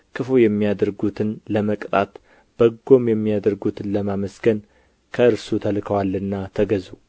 ክፉ የሚያደርጉትን ለመቅጣት በጎም የሚያደርጉትን ለማመስገን ከእርሱ ተልከዋልና ተገዙ